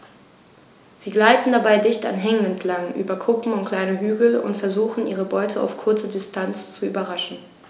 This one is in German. Sie gleiten dabei dicht an Hängen entlang, über Kuppen und kleine Hügel und versuchen ihre Beute auf kurze Distanz zu überraschen.